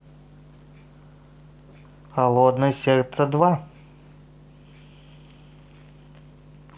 холодное сердце два